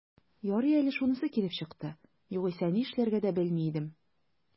Ярый әле шунысы килеп чыкты, югыйсә, нишләргә дә белми идем...